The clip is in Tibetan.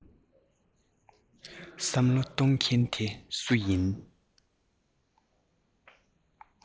བསམ བློ གཏོང མཁན དེ སུ ཡིན